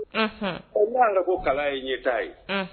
unhun, ɔ n'i kɛ ko kalan ye ɲɛtaa ye, unhun